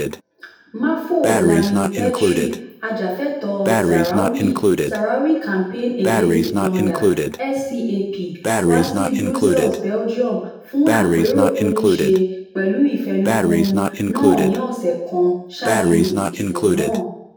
Mahfoud Lamin Bechri, ajàfẹ́tọ̀ọ́ Sahrawi, Sahrawi Campaign Against the Plunder (SCAP), wá sí Brussels, Belgium fún àpérò tó nii ṣe pẹ̀lú ìfẹnukonu náà ni ọ̀sẹ̀ kan ṣáájú ìdìbò náà.